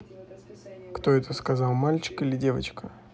кто это сказал мальчик или девочка